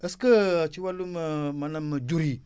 est ce que ci wàllum maanaam jur yi